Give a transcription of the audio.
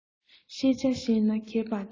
ཤེས བྱ ཤེས ན མཁས པར བགྲང